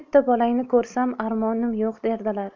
bitta bolangni ko'rsam armonim yo'q derdilar